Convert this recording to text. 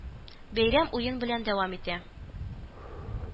Бәйрәм уен белән дәвам итә